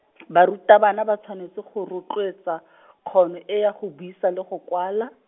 barutabana ba tshwanetse go rotloetsa , kgono e ya go buisa le go kwala.